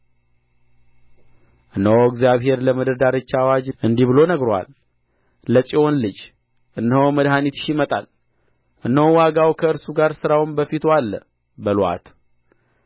እነሆ እግዚአብሔር ለምድር ዳርቻ አዋጅ እንዲህ ብሎ ነግሮአል ለጽዮን ልጅ እነሆ መድኃኒትሽ ይመጣል እነሆ ዋጋው ከእርሱ ጋር ሥራውም በፊቱ አለ በሉአት